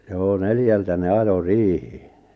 joo neljältä ne ajoi riiheen